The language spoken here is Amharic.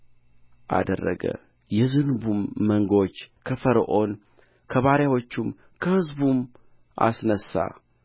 አደረገ የዝንቡንም መንጎች ከፈርዖን ከባሪያዎቹም ከህዝቡም አስነሣ